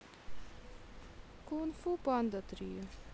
кунг фу панда три